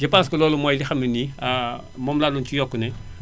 je pense que loolu mooy li nga xam ne nii moom laa doon ci yokk ne